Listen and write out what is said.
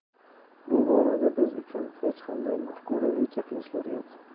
bu borada biz uchun hech qanday mafkuraviy cheklashlar yo'q